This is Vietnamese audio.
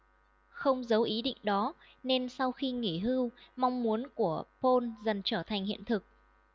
không giấu ý định đó nên sau khi nghỉ hưu mong muốn của paul dần trở thành hiện thực